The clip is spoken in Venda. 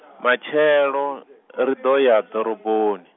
Matshelo, ri ḓo ya ḓoroboni.